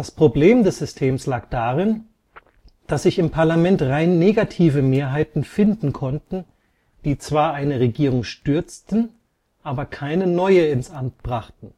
Problem des Systems lag darin, dass sich im Parlament rein negative Mehrheiten finden konnten, die zwar eine Regierung stürzten, aber keine neue ins Amt brachten